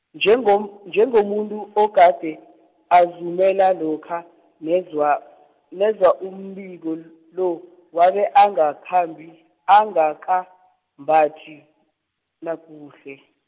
njengom- njengomuntu ogade, azumela lokha, nezwa nezwa umbiko l- lo, wabe angakhambi, angakambathi nakuhle.